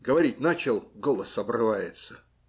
говорить начал - голос обрывается.